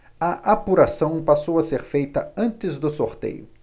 a apuração passou a ser feita antes do sorteio